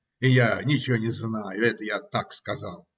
И я ничего не знаю, это я так сказал.